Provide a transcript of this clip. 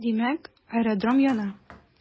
Димәк, аэродром яна.